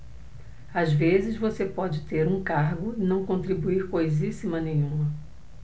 às vezes você pode ter um cargo e não contribuir coisíssima nenhuma